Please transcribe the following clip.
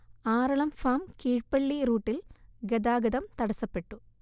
Aralam farm Keezhpally റൂട്ടിൽ ഗതാഗതം തടസ്സപ്പെട്ടു